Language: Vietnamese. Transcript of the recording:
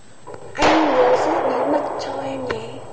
anh nhớ giữ bí mật cho em nhé